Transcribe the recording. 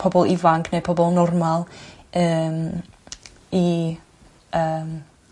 pobol ifanc ne' pobol normal yym i yym